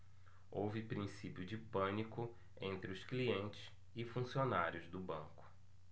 houve princípio de pânico entre os clientes e funcionários do banco